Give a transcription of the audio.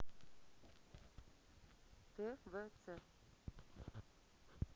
тв ц